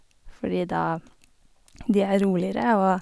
Fordi da de er roligere og...